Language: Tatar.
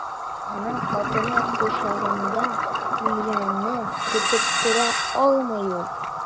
Аның хатыны кочагында үлгәнен көтеп тора алмый ул.